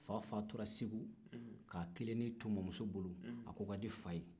fa fatura segu k'a kelenni to mamuso bolo a ko ka di fa ye